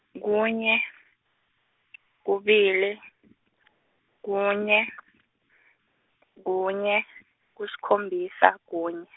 kunye , kubili, kunye , kunye, kusikhombisa, kunye.